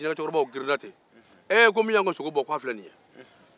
jinɛ cɛkɔrɔbaw ko min y'an ka sogo bon k'a filɛ nin ye